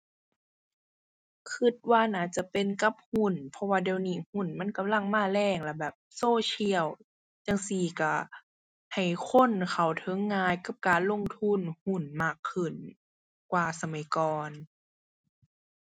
คิดว่าน่าจะเป็นกับหุ้น เพราะว่าเดี๋ยวนี้หุ้นมันกำลังมาแรง แล้วแบบโซเชียลจั่งซี้คิด ให้คนเข้าถึงง่ายกับการลงทุนหุ้นมากขึ้นกว่าสมัยก่อน